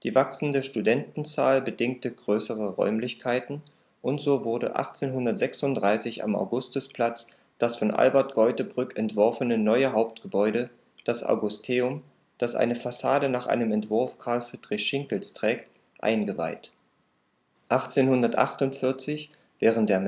wachsende Studentenzahl bedingte größere Räumlichkeiten, und so wurde 1836 am Augustusplatz das von Albert Geutebrück entworfene neue Hauptgebäude, das Augusteum, das eine Fassade nach einem Entwurf Karl Friedrich Schinkels trägt, eingeweiht. 1848, während der